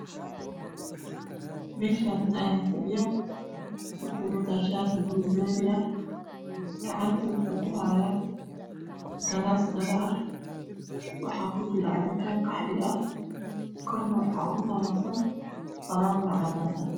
Meeshaan nin ayaa fadhiyo wuxuu wataa shaati buluug maari ah gacanta wuxuu ku hayaa galaas dhalo ah waxaa ku jira cabitaan qaxwi ah korna waxaa oogu walansan falaawer cadaan ah